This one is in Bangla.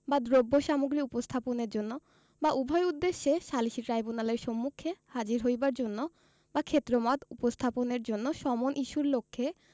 বা দ্রব্যসামগ্রী উপস্থাপনের জন্য বা উভয় উদ্দেশ্যে সালিসী ট্রাইব্যুনালের সম্মুখে হাজির হইবার জন্য বা ক্ষেত্রমত উপস্থাপনের জন্য সমন ইস্যুর লক্ষ্যে